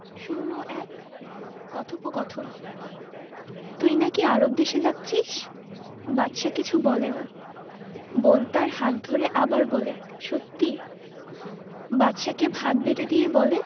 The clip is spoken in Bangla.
০১ কথোপকথন তুই নাকি আরব দেশে যাচ্ছিস বাদশা কিছু বলে না বোন তার হাত ধরে আবার বলে সত্যি বাদশাকে ভাত বেড়ে দিয়ে বলে